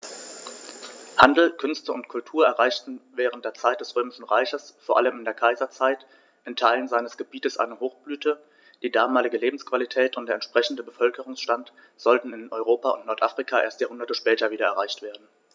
Handel, Künste und Kultur erreichten während der Zeit des Römischen Reiches, vor allem in der Kaiserzeit, in Teilen seines Gebietes eine Hochblüte, die damalige Lebensqualität und der entsprechende Bevölkerungsstand sollten in Europa und Nordafrika erst Jahrhunderte später wieder erreicht werden.